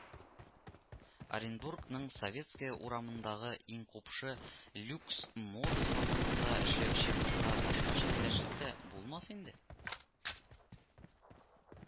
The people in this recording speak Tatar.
Оренбургның Советская урамындагы иң купшы Люкс мода салонында эшләүче кызга башкача эндәшеп тә булмас инде